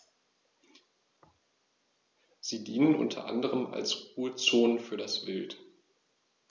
Sie dienen unter anderem als Ruhezonen für das Wild.